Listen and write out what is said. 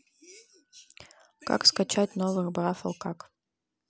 как скачать новых брафл как